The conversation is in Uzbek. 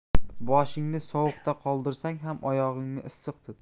boshingni sovuqda qoldirsang ham oyog'ingni issiq tut